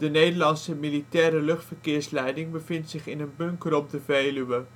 Nederlandse militaire luchtverkeersleiding bevindt zich in een bunker op de Veluwe